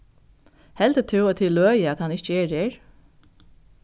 heldur tú at tað er løgið at hann ikki er her